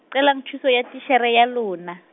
qelang thuso ya titjhere ya lona.